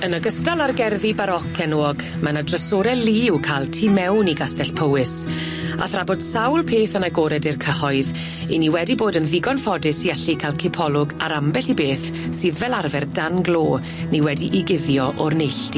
Yn ogystal â'r gerddi baroc enwog, my' 'ny drysore lu i'w ca'l tu mewn i Gastell Powys a thra bod sawl peth yn agored i'r cyhoedd 'yn ni wedi bod yn ddigon ffodus i allu ca'l cipolwg ar ambell i beth sydd fel arfer dan glo ni wedi 'i guddio o'r neilltu.